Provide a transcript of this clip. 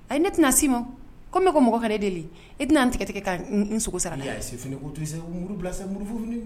Ayi ne tɛna s'i ma comme ne ko mɔgɔ ka n'e deli, i tɛna n tigɛ tigɛ ka n sogo sara da;i y'a ye i fana ko to yen sa; Umu muru bila sa,